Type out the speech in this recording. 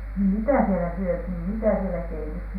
mitä siellä syötiin mitä siellä keitettiin